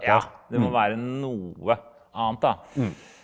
ja det må være noe annet da.